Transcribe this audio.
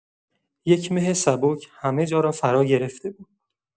یک مه سبک همه‌جا را فراگرفته بود.